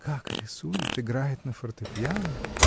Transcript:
Как рисует, играет на фортепиано!.